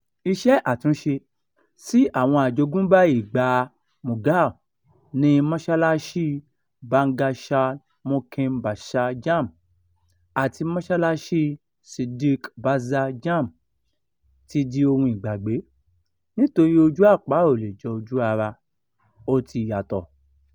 Iṣẹ́ àtúnṣe sí àwọn àjogúnbá ìgbàa Mughal ní mọ́ṣálááṣí Bangshal Mukim Bazar Jam-e àti mọ́ṣálááṣí Siddique Bazar Jam-e ti di ohun ìgbàgbé nítorí ojú àpá ò le è jọ ojú ara, ó ti yàtọ̀.